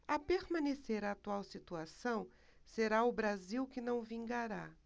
a permanecer a atual situação será o brasil que não vingará